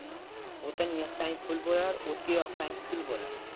o'tin yig'sang pul bo'lar o'tga yoqsang kul bo'lar